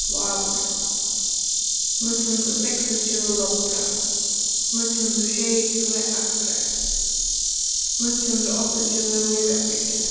vágur níggju hundrað og seksogtjúgu lopra níggju hundrað og sjeyogtjúgu akrar níggju hundrað og áttaogtjúgu víkarbyrgi